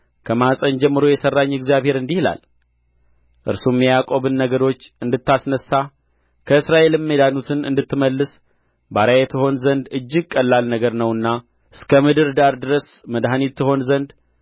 ከማኅፀን ጀምሮ የሠራኝ እግዚአብሔር እንዲህ ይላል እርሱም የያዕቆብን ነገዶች እንድታስነሣ ከእስራኤልም የዳኑትን እንድትመስል ባሪያዬ ትሆን ዘንድ እጅግ ቀላል ነገር ነውና እስከ ምድር ዳር ድረስ መድኃኒት ትሆን ዘንድ